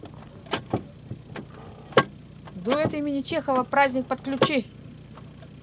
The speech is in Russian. дуэт имени чехова праздник подключи